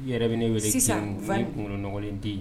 Yɛrɛ bɛ ne wele sisan kun nɔgɔlen tɛ yen